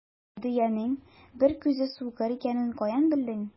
Ә дөянең бер күзе сукыр икәнен каян белдең?